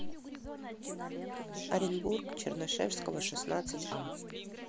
оренбург чернышевского шестнадцать а